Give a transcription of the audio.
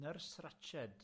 Nurse Ratched?